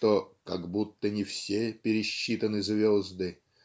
что "как будто не все пересчитаны звезды"